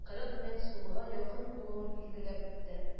40 мең сумга якын булуын билгеләп үтте.